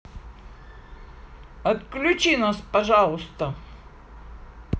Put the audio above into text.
отключи нас пожалуйста